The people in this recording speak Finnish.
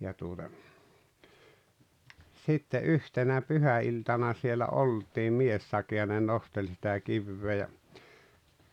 ja tuota sitten yhtenä pyhäiltana siellä oltiin - ja ne nosteli sitä kiveä ja